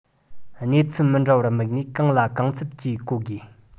གནས ཚུལ མི འདྲ བར དམིགས ནས གང ལ གང འཚམ གྱིས བཀོལ དགོས